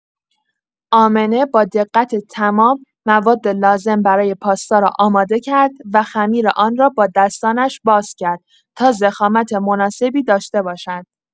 آمنه با دقت تمام، مواد لازم برای پاستا را آماده کرد و خمیر آن را با دستانش باز کرد تا ضخامت مناسبی داشته باشد.